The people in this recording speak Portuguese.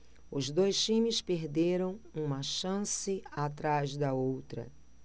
os dois times perderam uma chance atrás da outra